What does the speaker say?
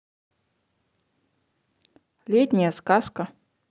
летняя сказка